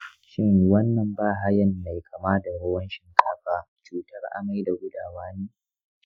shin wannan bahayan mai kama da ruwan shinkafa cutar amai da gudawa ne?